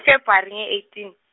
February nge- eighteen.